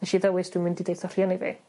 nesh i ddewis dwi mynd i deutha rhieni fi.